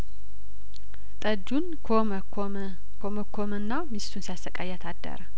ጠጁን ኰመኰመ ኰመኰመና ሚስቱን ሲያሰቃያት አደረ